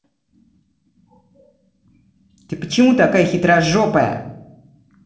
ты почему такая хитрожопая